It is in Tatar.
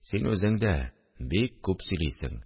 – син үзең дә бик күп сөйлисең